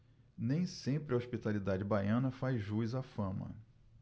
nem sempre a hospitalidade baiana faz jus à fama